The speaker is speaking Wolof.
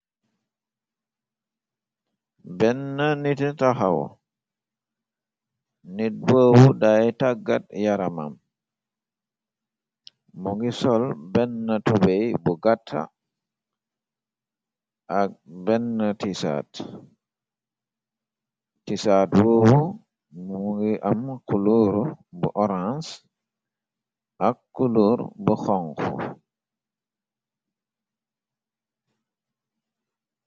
Benn niti taxaw, nit boobu daay tàggat yaramam, mu ngi sol ben na tubey bu gatta, ak 1enn tisaat, woowu mu ngi am kulouru bu horange, ak culuor bu xonk.